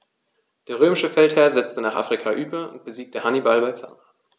Der römische Feldherr setzte nach Afrika über und besiegte Hannibal bei Zama.